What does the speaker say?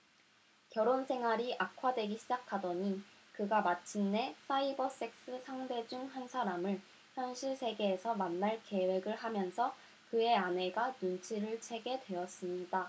결혼 생활이 악화되기 시작하더니 그가 마침내 사이버섹스 상대 중 한 사람을 현실 세계에서 만날 계획을 하면서 그의 아내가 눈치를 채게 되었습니다